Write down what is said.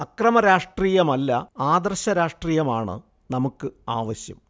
അക്രമ രാഷ്ട്രീയമല്ല ആദർശ രാഷട്രീയമാണ് നമുക്ക് ആവശ്യം